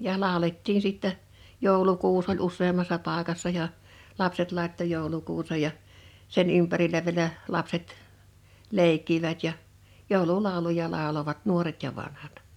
ja laulettiin sitten joulukuusi oli useammassa paikassa ja lapset laittoi joulukuusen ja sen ympärillä vielä lapset leikkivät ja joululauluja lauloivat nuoret ja vanhat